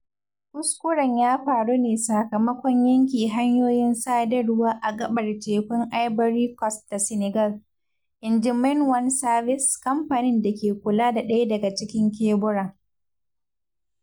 Kuskuren ya faru ne sakamakon yanke hanyoyin sadarwa a gaɓar tekun Ivory Coast da Senegal, in ji Main One Service, kamfanin da ke kula da ɗaya daga cikin keburan.